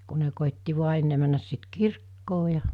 kun ne koetti vain ennen mennä sitten kirkkoon ja